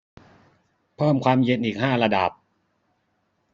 เพิ่มความเย็นอีกห้าระดับ